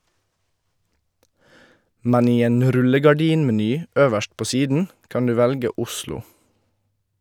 Men i en rullegardinmeny øverst på siden kan du velge Oslo.